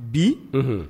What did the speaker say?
Bi? Unhun